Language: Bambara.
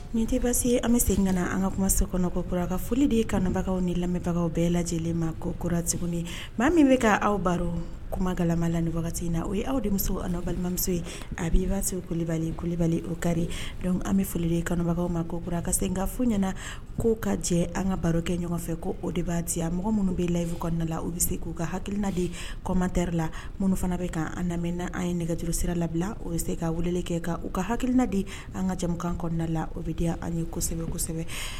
Nin tɛe basi ye an bɛ segin ka na an ka kuma se kɔnɔko kura foli de ye kanubaga ni lamɛnbagaw bɛɛ lajɛ lajɛlen ma kokurati maa min bɛ ka aw baro kuma gama la ni wagati in na o ye aw de muso an balimamuso ye a b i b' se kubali kubali o kari an bɛ folibagaw ma ko ka se ka fo ɲɛnaana k koo ka jɛ an ka baro kɛ ɲɔgɔn fɛ ko o de baya mɔgɔ minnu bɛ layifu kɔnɔnadala u bɛ se k'u ka hakilinaden kɔmatɛri la minnu fana bɛ kan an lamɛn an ye nɛgɛjuru sira labila o bɛ se k ka wele kɛ kan uu ka hakilinaden an kajakan kɔdala obi diya an ye kosɛbɛ kosɛbɛ